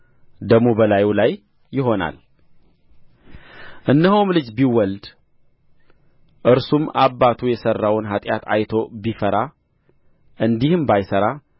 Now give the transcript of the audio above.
ደሙ በላዩ ላይ ይሆናል እነሆም ልጅ ቢወልድ እርሱም አባቱ የሠራውን ኃጢአት አይቶ ቢፈራ እንዲህም ባይሠራ